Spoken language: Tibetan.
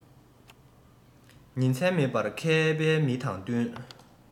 ཉིན མཚན མེད པར མཁས པའི མི དང བསྟུན